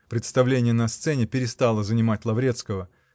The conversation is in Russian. Представление на сцене переставало занимать Лаврецкого